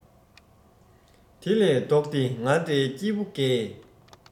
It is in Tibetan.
དེ ལས ལྡོག སྟེ ང འདྲའི སྐྱེས བུ འགས